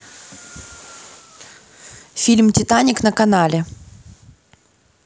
фильм титаник на канале